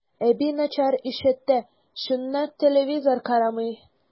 Әби начар ишетә, шуңа телевизор карамый.